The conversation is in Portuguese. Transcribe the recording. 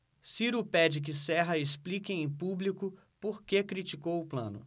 ciro pede que serra explique em público por que criticou plano